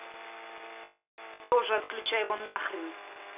тоже отключай его нахрен